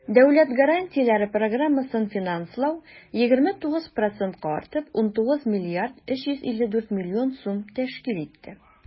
Дәүләт гарантияләре программасын финанслау 29 процентка артып, 19 млрд 354 млн сум тәшкил итте.